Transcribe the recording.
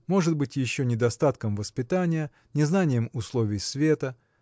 может быть еще недостатком воспитания незнанием условий света